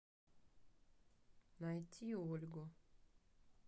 найти ольгу